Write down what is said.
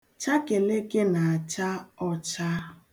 Chakeleke na-acha ọcha.